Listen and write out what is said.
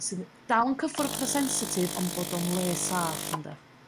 sydd y- dal yn cyffwr' 'fo pethau' sensitif on' bod o'n le saff ynde?